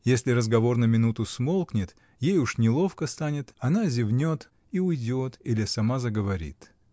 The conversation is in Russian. Если разговор на минуту смолкнет, ей уж неловко станет, она зевнет и уйдет или сама заговорит.